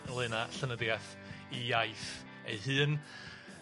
...ynglŷn â llenyddiath 'i iaith ei hun.